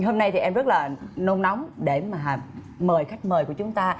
hôm nay thì em rất là nôn nóng để mà mời khách mời của chúng ta